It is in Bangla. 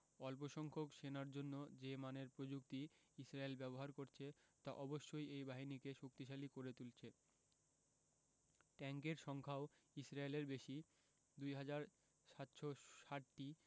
অল্পসংখ্যক সেনার জন্য যে মানের প্রযুক্তি ইসরায়েল ব্যবহার করছে তা অবশ্যই এই বাহিনীকে শক্তিশালী করে তুলছে ট্যাংকের সংখ্যাও ইসরায়েলের বেশি ২ হাজার ৭৬০টি